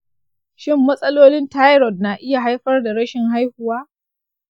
shin matsalolin thyroid na iya haifar da rashin haihuwa?